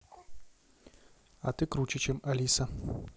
а ты круче чем алиса